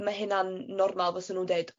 ma' hyna'n normal fyswn nw'n deud